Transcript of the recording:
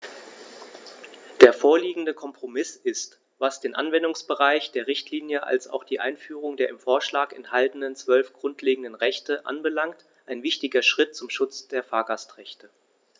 Der vorliegende Kompromiss ist, was den Anwendungsbereich der Richtlinie als auch die Einführung der im Vorschlag enthaltenen 12 grundlegenden Rechte anbelangt, ein wichtiger Schritt zum Schutz der Fahrgastrechte.